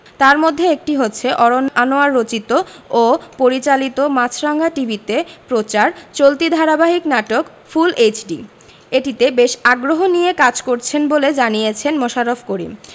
তার মধ্যে একটি হচ্ছে অরন্য আনোয়ার রচিত ও পরিচালিত মাছরাঙা টিভিতে প্রচার চলতি ধারাবাহিক নাটক ফুল এইচডি এটিতে বেশ আগ্রহ নিয়ে কাজ করছেন বলে জানিয়েছেন মোশাররফ করিম